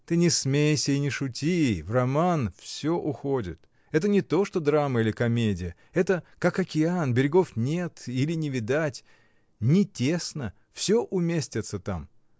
— Ты не смейся и не шути: в роман всё уходит — это не то что драма или комедия — это как океан: берегов нет или не видать не тесно, всё уместится там.